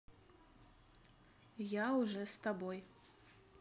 я уже с тобой